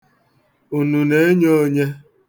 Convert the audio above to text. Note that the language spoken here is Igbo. Unu na-enyo onye?